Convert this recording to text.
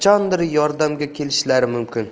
ham qachondir yordamga kelishlari mumkin